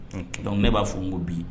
Donc ne b'a fɔ n ko bi